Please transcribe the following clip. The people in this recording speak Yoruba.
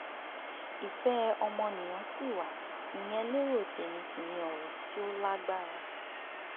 Ìfẹ́ ọmọnìyàn sì wà, ìyẹn lérò tèmi sì ni ọrọ̀ tí ó lágbára.